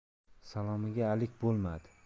salomiga alik bo'lmadi